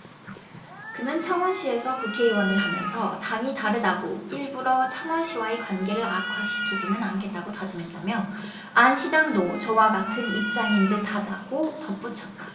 그는 창원시에서 국회의원을 하면서 당이 다르다고 일부러 창원시와의 관계를 악화시키지는 않겠다고 다짐했다며 안 시장도 저와 같은 입장인 듯 하다고 덧붙였다